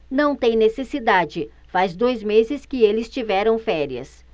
não tem necessidade faz dois meses que eles tiveram férias